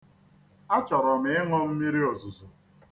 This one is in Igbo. Achọrọ m ịṅụ mmiriozuzo.